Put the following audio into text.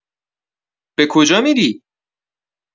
به کجا می‌ری؟